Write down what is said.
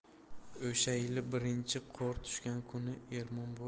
o'sha yili birinchi qor tushgan kuni